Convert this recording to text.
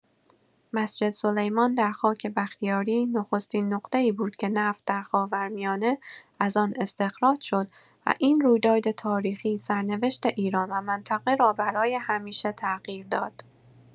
مسجدسلیمان در خاک بختیاری، نخستین نقطه‌ای بود که نفت در خاورمیانه از آن استخراج شد و این رویداد تاریخی سرنوشت ایران و منطقه را برای همیشه تغییر داد.